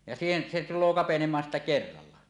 ja siihen se tulee kapenemaan sitten kerralla